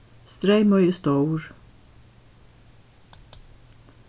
streymoy er stór